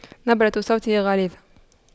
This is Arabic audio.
نبرة صوته غليظة